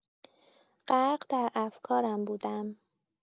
غرق در افکارم بودم.